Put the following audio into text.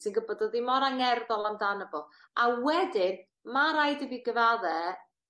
Ti'n gwbod o'dd 'i mor angerddol amdano fo. A wedyn ma' raid i fi gyfadde